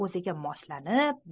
oziga moslab